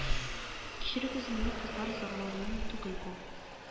Кичерегез мине кызлар зарлануым түгел бу